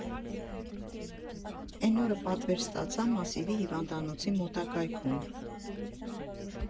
Էն օրը պատվեր ստացա՝ Մասիվի հիվանդանոցի մոտակայքում։